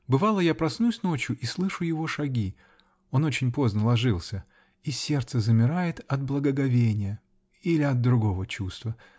Бывало, я проснусь ночью и слышу его шаги -- он очень поздно ложился -- и сердце замирает от благоговения. или от другого чувства.